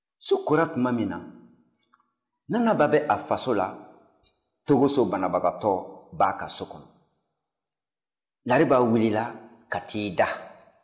su kora tuma min na nanaba bɛ a faso la togoso banabagatɔ b'a ka so kɔnɔ lariba wulila ka t'i da